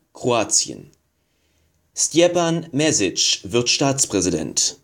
Kroatien: Stjepan Mesić wird Staatspräsident